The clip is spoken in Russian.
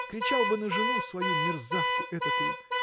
Кричал бы на жену свою, мерзавку этакую!